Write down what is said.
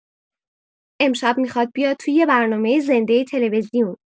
امشب میخواد بیاد تو یه برنامه زنده تلوزیون.